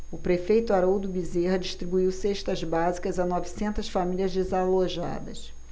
o prefeito haroldo bezerra distribuiu cestas básicas a novecentas famílias desalojadas